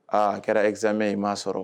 Aa a kɛra esame in m' sɔrɔ